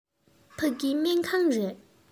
ཕ གི སྨན ཁང རེད